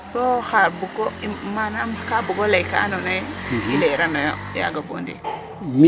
So xa bug o manaam xa bug o lay ka andoona yee i layiranooyo yaga bo ndik ?